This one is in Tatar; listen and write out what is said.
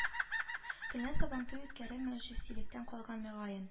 Төнлә сабантуй үткәрү мәҗүсилектән калган мөгаен